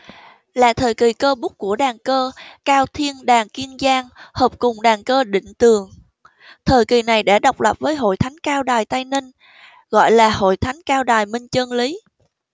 là thời kỳ cơ bút của đàn cơ cao thiên đàn kiên giang hợp cùng đàn cơ định tường thời kỳ này đã độc lập với hội thánh cao đài tây ninh gọi là hội thánh cao đài minh chơn lý